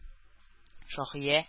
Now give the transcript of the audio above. Шаһия